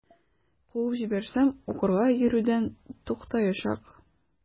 Куып җибәрсәм, укырга йөрүдән туктаячак.